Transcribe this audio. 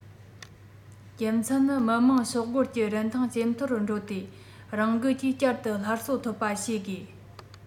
རྒྱུ མཚན ནི མི དམངས ཤོག སྒོར གྱི རིན ཐང ཇེ མཐོར འགྲོ ཏེ རང འགུལ གྱིས བསྐྱར དུ སླར གསོ ཐོབ པ བྱེད དགོས